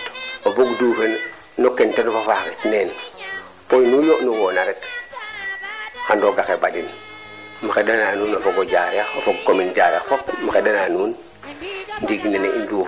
merci beaucoup no 102 point 5 rek in way ngind man a paaxa paax kama piisa le o Ndango Diarekh fogum refa te o kiino leŋ ten refu faap Rocky Daba in way ngind man a paax paax noxa ndelem xa mosuxe ando naye a mbeer naan meeke